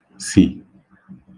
sì